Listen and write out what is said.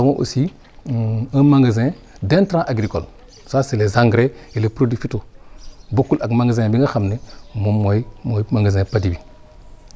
nous avons aussi un un magasin d' intrant agricole ça c' est les engrais et les produits phyto bokkul ak magasin bi nga xam ne moom mooy mooy magasin padi bi